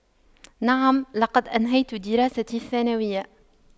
نعم لقد أنهيت دراستي الثانوية